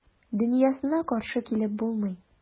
Дөньясына каршы килеп булмый.